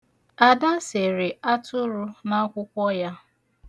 Ada sere atụrụ n'akwụkwọ ya.